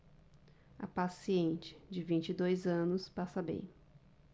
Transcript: a paciente de vinte e dois anos passa bem